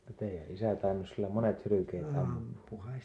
no teidän isä tainnut sillä monet hylkeet ampua